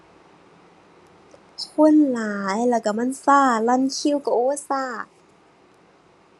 คนหลายแล้วก็มันก็ รันคิวก็ โอ้ย ก็